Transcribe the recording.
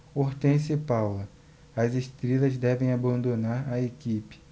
hortência e paula as estrelas devem abandonar a equipe